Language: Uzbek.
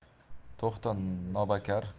to'xta nobakor